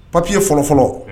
Papiye fɔlɔ fɔlɔ